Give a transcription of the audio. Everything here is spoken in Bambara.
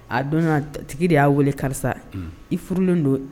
A don tigi de y'a wele karisa i furulen don